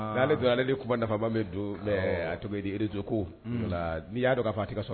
Nka aleale don aleale de kuba nafaba bɛ don a tunrez ko n'i y'a dɔn k a faa ati ka so